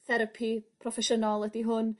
therapi proffesiynol ydy hwn.